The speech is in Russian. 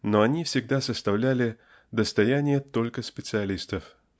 но они всегда составляли достояние только специалистов.